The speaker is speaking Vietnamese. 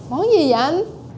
món gì dậy anh